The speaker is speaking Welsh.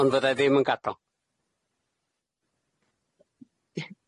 Ond fyddai ddim yn gadal.